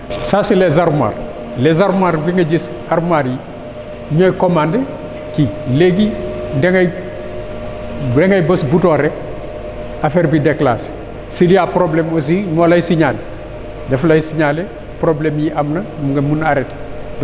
ça c' est les armoires les armoires di nga gis armoires yi ñooy commandé kii léegi da ngay da ngay bës bouton rek affaire déclenché s' il y' a problème aussi ñoo lay signalé daf lay signalé problème yii am na nga mun arrêté